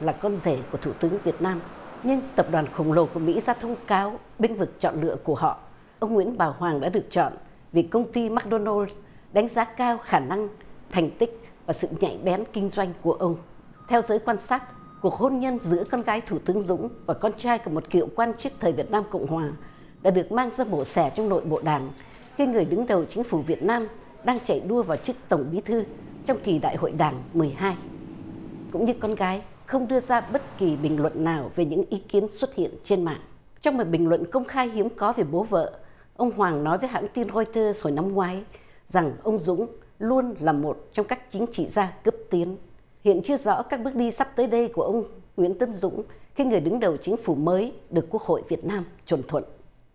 là con rể của thủ tướng việt nam nhưng tập đoàn khổng lồ của mỹ ra thông cáo bênh vực chọn lựa của họ ông nguyễn bảo hoàng đã được chọn vì công ty mắc đô nô đánh giá cao khả năng thành tích và sự nhạy bén kinh doanh của ông theo giới quan sát cuộc hôn nhân giữa con gái thủ tướng dũng và con trai của một cựu quan chức thời việt nam cộng hòa đã được mang ra mổ xẻ trong nội bộ đảng khi người đứng đầu chính phủ việt nam đang chạy đua vào chức tổng bí thư trong kỳ đại hội đảng mười hai cũng như con gái không đưa ra bất kỳ bình luận nào về những ý kiến xuất hiện trên mạng trong một bình luận công khai hiếm có về bố vợ ông hoàng nói với hãng tin roi tơ hồi năm ngoái rằng ông dũng luôn là một trong các chính trị gia cấp tiến hiện chưa rõ các bước đi sắp tới đây của ông nguyễn tấn dũng khi người đứng đầu chính phủ mới được quốc hội việt nam chuẩn thuận